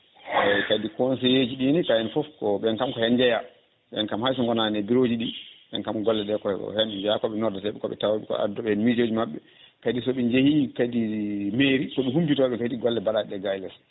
eyyi kadi conseil eji ɗine taw hen foof ko ɓen kam ko hen jeeya ɓen kam hayso goonani e bureau ji ɗi ɓen kam golle ɗe ko hen ɓe jeeya koɓe noddeteɓe koɓe tawaɓe koɓe addoɓe hen miijoji mabɓe kadi sooɓe jeeyi kadi mairie koɓe humpitoɓe kadi golle baɗaɗe ɗe ga e less